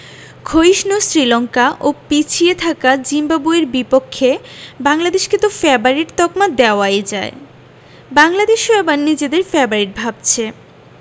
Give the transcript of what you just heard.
ক্ষয়িষ্ণু শ্রীলঙ্কা ও পিছিয়ে থাকা জিম্বাবুয়ের বিপক্ষে বাংলাদেশকে তো ফেবারিট তকমা দেওয়াই যায় বাংলাদেশও এবার নিজেদের ফেবারিট ভাবছে